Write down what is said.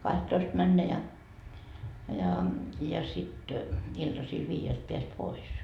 kahtatoista mennä ja ja ja sitten iltasilla viideltä pääsi pois